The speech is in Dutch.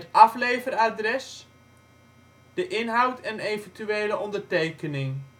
afleveradres de inhoud en eventuele ondertekening